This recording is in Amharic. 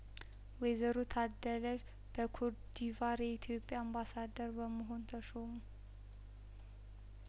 ወይዘሮ ታደለች በኮትዲቫር የኢትዮጵያ አምባሳደር በመሆን ተሾሙ